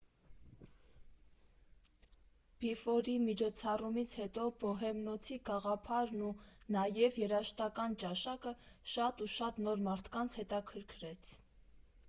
Բիֆորի միջոցառումից հետո Բոհեմնոցի գաղափարն ու նաև երաժշտական ճաշակը շատ ու շատ նոր մարդկանց հետաքրքրեց։